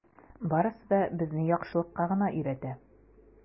Барысы да безне яхшылыкка гына өйрәтә.